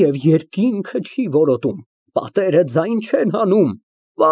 Եվ երկինքը չի որոտում, պատերը ձայն չեն հանում։